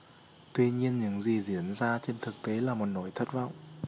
tuy nhiên những gì diễn ra trên thực tế là một nỗi thất vọng